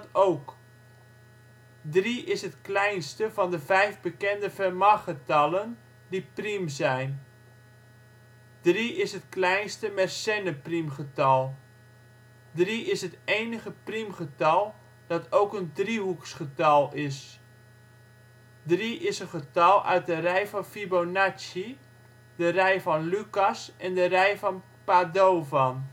ook. Drie is het kleinste van de vijf bekende Fermatgetallen die priem zijn. Drie is het kleinste Mersennepriemgetal. Drie is het enige priemgetal dat ook een driehoeksgetal is. Drie is een getal uit de rij van Fibonacci, de rij van Lucas en de rij van Padovan